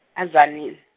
a- Tzaneen.